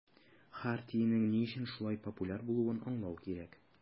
Хартиянең ни өчен шулай популяр булуын аңлау кирәк.